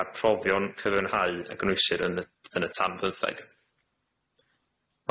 â'r profion cyfynhau y gynhwysir yn y yn y tan pymtheg.